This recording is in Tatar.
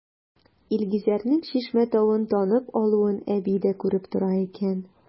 Илгизәрнең Чишмә тавын танып алуын әби дә күреп тора икән.